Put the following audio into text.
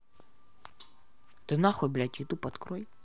ты нахуй блядь youtube открой